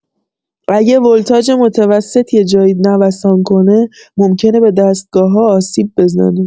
اگه ولتاژ متوسط یه جایی نوسان کنه، ممکنه به دستگاه‌ها آسیب بزنه.